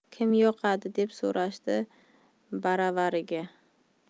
kim yoqadi deb so'rashdi baravariga